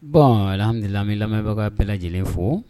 Bɔn an de lammi lamɛnbagaw ka bɛ lajɛlen fo